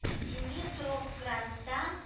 Димитровградта